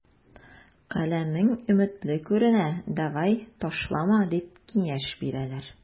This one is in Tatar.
Каләмең өметле күренә, давай, ташлама, дип киңәш бирәләр.